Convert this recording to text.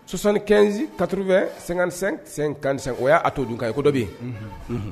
Sonsaniɛnsin katouru2 sensen sen 1 o y'a to dun kan ye ko dɔ bɛ yen